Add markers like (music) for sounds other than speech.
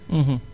(hesitation) (hesitation)